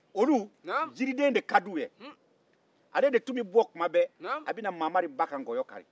olu jiriden de ka d'u ye ale de tun bɛ bɔ tuma bɛɛ a bɛ na mamari ba ka nkɔyɔ kari